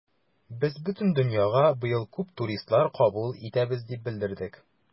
Без бөтен дөньяга быел күп туристлар кабул итәбез дип белдердек.